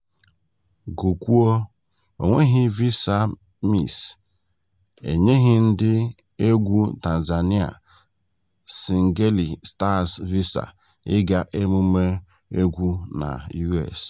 Gụkwuo: Enweghị Visa Mix: Enyeghị ndị egwu Tanzanian singeli Stars visa ị ga emume egwu na US.